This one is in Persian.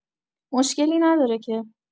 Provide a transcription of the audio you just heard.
مشکلی نداره که؟